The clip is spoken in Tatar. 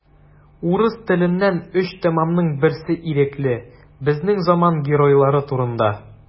Урыс теленнән өч теманың берсе ирекле: безнең заман геройлары турында.